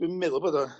Dwi'n meddwl bod o